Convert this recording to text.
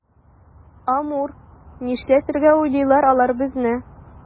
Амур, нишләтергә уйлыйлар алар безне?